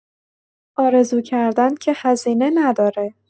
آرزو کردن که هزینه نداره.